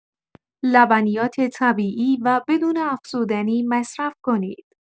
لبنیات طبیعی و بدون افزودنی مصرف کنید.